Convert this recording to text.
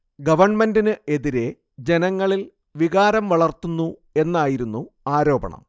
ഗവണ്മെന്റിനു എതിരെ ജനങ്ങളിൽ വികാരം വളർത്തുന്നു എന്നായിരുന്നു ആരോപണം